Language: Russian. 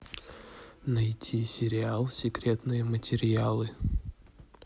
найти сериал секретные материалы